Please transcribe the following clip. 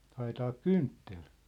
haetaanko kynttilä